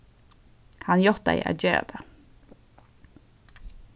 hann játtaði at gera tað